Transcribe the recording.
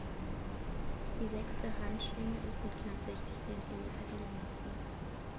Die sechste Handschwinge ist mit knapp 60 cm die längste.